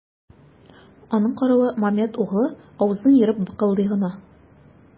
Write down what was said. Аның каравы, Мамед углы авызын ерып быкылдый гына.